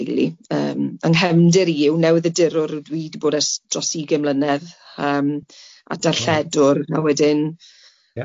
Yym yng nghefndir i yw newyddiadurwr dwi 'di bod ers dros ugen mlynedd yym a darlledwr a wedyn